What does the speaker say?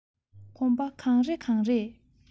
གོམ པ གང རེ གང རེས